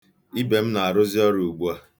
Ibe m na-arụzị ọrụ ugbu a.